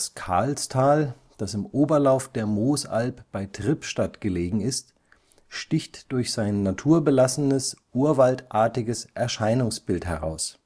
Karlstal, das im Oberlauf der Moosalb bei Trippstadt gelegen ist, sticht durch sein naturbelassenes, urwaldartiges Erscheinungsbild heraus